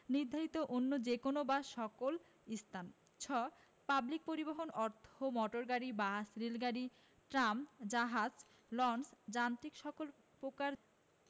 নির্ধারিত অন্য যে কোন বা সকল স্থান ছ পাবলিক পরিবহণ অর্থ মোটর গাড়ী বাস রেলগাড়ী ট্রাম জাহাজ লঞ্চ যান্ত্রিক সকল প্রকার